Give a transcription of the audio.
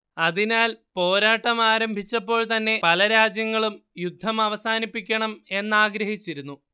അതിനാൽ പോരാട്ടം ആരംഭിച്ചപ്പോൾ തന്നെ പല രാജ്യങ്ങളും യുദ്ധം അവസാനിപ്പിക്കണം എന്നാഗ്രഹിച്ചിരുന്നു